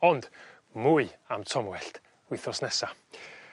ond mwy am tomwellt wythnos nesa.